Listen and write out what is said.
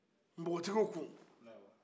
npogotigiw kun